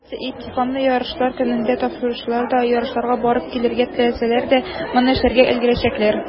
Хәтта имтиханны ярышлар көнендә тапшыручылар да, ярышларга барып килергә теләсәләр, моны эшләргә өлгерәчәкләр.